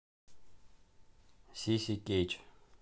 сиси кейч